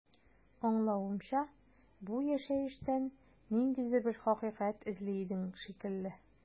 Аңлавымча, бу яшәештән ниндидер бер хакыйкать эзли идең шикелле.